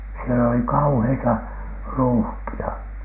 siellä oli kauheita ruuhkia